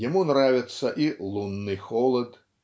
ему нравятся и "лунный холод"